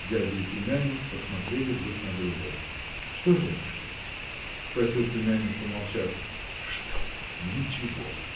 Дядя и племянник посмотрели друг на друга. – Что, дядюшка? – спросил племянник, помолчав. – Что! ничего!